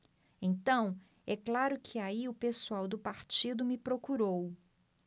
então é claro que aí o pessoal do partido me procurou